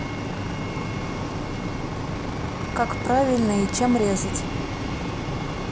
как правильно и чем резать